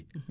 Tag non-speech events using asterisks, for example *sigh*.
*hesitation* *hesitation*